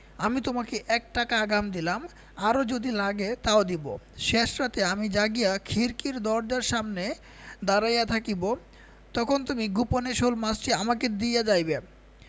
আমি তোমাকে এক টাকা আগাম দিলাম আরও যদি লাগে তাও দিব শেষ রাতে আমি জাগিয়া খিড়কির দরজার সামনে দাঁড়াইয়া থাকিব তখন তুমি গোপনে শোলমাছটি আমাকে দিয়া যাইবে